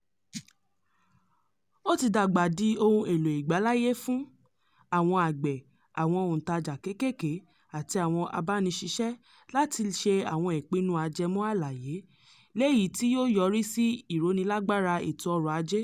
Ó ti dàgbà di ohun èlò ìgbàláàyè fún, àwọn àgbẹ̀, àwọn òǹtajà kéékèèké àti àwọn abániṣiṣẹ́ láti ṣe àwọn ìpinnu ajẹmọ́ - àlàyé, lèyìí tí yóò yọrí sí ìrónilágbára ètò ọrọ̀ ajé.